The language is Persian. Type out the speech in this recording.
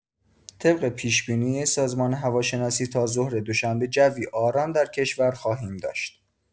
طبق پیش‌بینی سازمان هواشناسی تا ظهر دوشنبه جوی آرام در کشور خواهیم داشت.